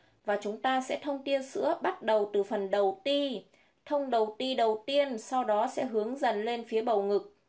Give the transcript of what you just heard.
và chúng ta sẽ thông tia sữa bắt đầu từ phần đầu ti thông đầu ti đầu tiên sau đó hướng dần dần lên phía bầu ngực